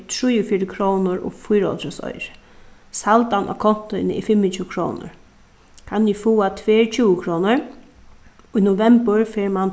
trýogfjøruti krónur og fýraoghálvtrýss oyru saldan á kontoini er fimmogtjúgu krónur kann eg fáa tvær tjúgukrónur í novembur fær mann